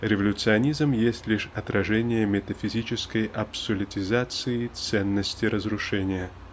революционизм есть лишь отражение метафизической абсолютизации ценности разрушения.